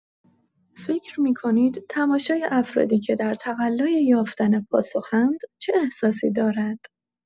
فکر می‌کنید تماشای افرادی که در تقلای یافتن پاسخ‌اند چه احساسی دارد؟